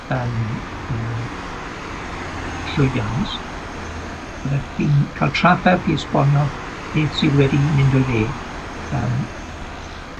yn yy llwyddiannus, byddech chi'n ca'l trafferth i esbonio beth sydd wedi mynd o'i le yym.